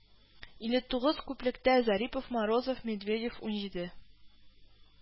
Илле тугыз, күплектә , зарипов морозов, медведев, ун җиде